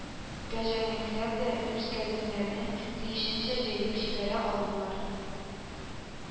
Бәҗәнәкләр дә үз кавемнәрен тиешенчә җәеп җибәрә алмыйлар